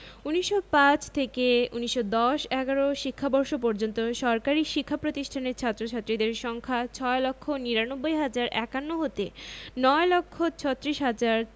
১৯০৫ থেকে ১৯১০ ১১ শিক্ষাবর্ষ পর্যন্ত সরকারি শিক্ষা প্রতিষ্ঠানের ছাত্র ছাত্রীদের সংখ্যা ৬ লক্ষ ৯৯ হাজার ৫১ হতে ৯ লক্ষ ৩৬ হাজার